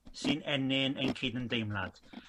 sy'n ennyn ein cydymdeimlad.